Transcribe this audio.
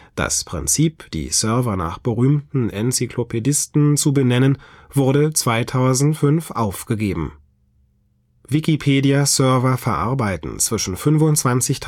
Das Prinzip, die Server nach berühmten Enzyklopädisten zu benennen, wurde 2005 aufgegeben. Wikipedia-Server verarbeiten zwischen 25.000